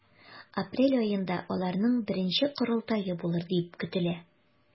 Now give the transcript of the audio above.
Апрель аенда аларның беренче корылтае булыр дип көтелә.